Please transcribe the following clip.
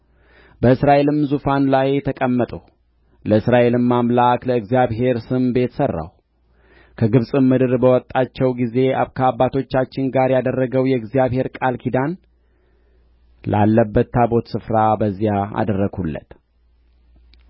በእስራኤልም ዙፋን ላይ ተቀመጥሁ ለእስራኤልም አምላክ ለእግዚአብሔር ስም ቤት ሠራሁ ከግብጽም ምድር ባወጣቸው ጊዜ ከአባቶቻችን ጋር ያደረገው የእግዚአብሔር ቃል ኪዳን ላለበት ታቦት ስፍራ በዚያ አደረግሁለት